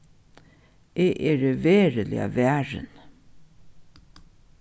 eg eri veruliga varin